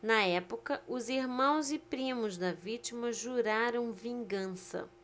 na época os irmãos e primos da vítima juraram vingança